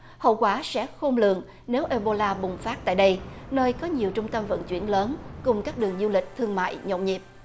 hậu quả sẽ khôn lường nếu ê bô la bùng phát tại đây nơi có nhiều trung tâm vận chuyển lớn cùng các đường du lịch thương mại nhộn nhịp